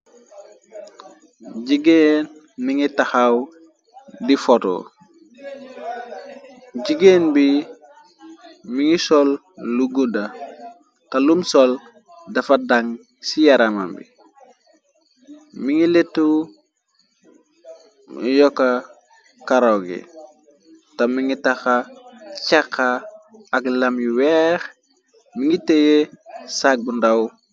Jigeen mi ngi taxaw di foto jigéen bi mi ngi sol lu gudda talum sol dafa dàng ci yarama bi mi ngi letu yoka karogi ta mi ngi taxa caqa ak lam yu weex mi ngi teye sàgbu ndaw.